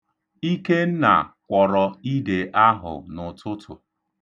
Ikenna kwọrọ ide ahụ n'ụtụtụ.